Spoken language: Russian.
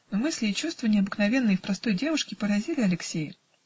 но мысли и чувства, необыкновенные в простой девушке, поразили Алексея.